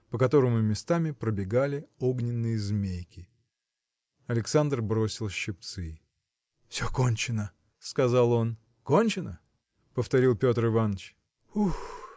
по которому местами пробегали огненные змейки. Александр бросил щипцы. – Все кончено! – сказал он. – Кончено! – повторил Петр Иваныч. – Ух!